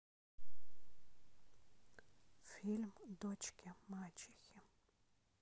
фильм дочки мачехи